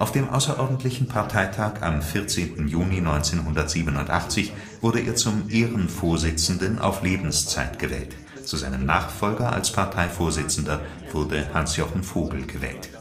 dem außerordentlichen Parteitag am 14. Juni 1987 wurde er zum Ehrenvorsitzenden auf Lebenszeit gewählt; zu seinem Nachfolger als Parteivorsitzender wurde Hans-Jochen Vogel gewählt